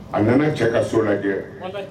A nana cɛ ka so lajɛ